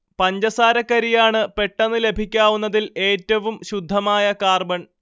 പഞ്ചസാരക്കരിയാണ് പെട്ടെന്ന് ലഭിക്കാവുന്നതിൽ ഏറ്റവും ശുദ്ധമായ കാർബൺ